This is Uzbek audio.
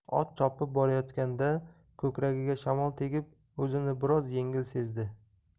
ot chopib borayotganda ko'kragiga shamol tegib o'zini bir oz yengil sezdi